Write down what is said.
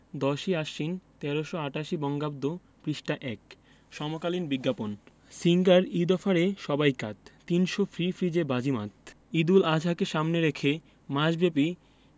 ১০ই আশ্বিন ১৩৮৮ বঙ্গাব্দ পৃষ্ঠা – ১ সমকালীন বিজ্ঞাপন সিঙ্গার ঈদ অফারে সবাই কাত ৩০০ ফ্রি ফ্রিজে বাজিমাত ঈদুল আজহাকে সামনে রেখে মাসব্যাপী